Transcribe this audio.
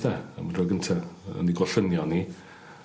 ...'de am y dro gynta yy yn 'i gollynion 'i